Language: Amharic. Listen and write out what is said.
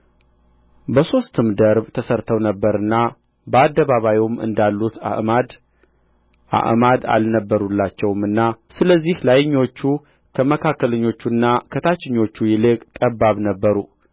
በሦስትም ደርብ ተሠርተው ነበርና በአደባባዩም እንዳሉት አዕማድ አዕማድ አልነበሩላቸውምና ስለዚህ ላይኞቹ ከመካከለኞቹና ከታችኞቹ ይልቅ ጠባብ ነበሩ